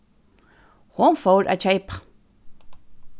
hon fór at keypa